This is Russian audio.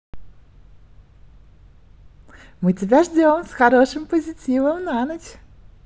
мы тебя ждем с хорошим позитивом на ночь